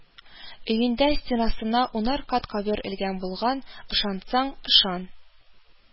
Өендә стенасына унар кат ковер элгән булган, ышансаң ышан,